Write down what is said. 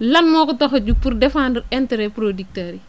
lan moo ko tax a jug pour défendre intérêt producteurs yi